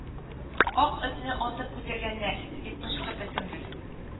Ак этне атып үтергәннәр! — дип кычкырды кемдер